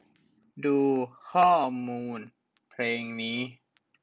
ดูข้อมูลเพลงนี้